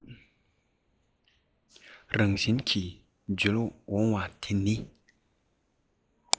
རང བཞིན གྱིས བརྡོལ འོང བ དེ ནི